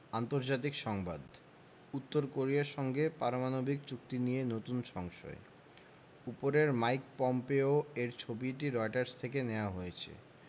আন্তর্জাতিক সংবাদ উত্তর কোরিয়ার সঙ্গে পারমাণবিক চুক্তি নিয়ে নতুন সংশয় উপরের মাইক পম্পেও এর ছবিটি রয়টার্স থেকে নেয়া হয়েছে